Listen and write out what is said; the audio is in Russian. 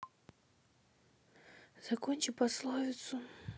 закончи пословицу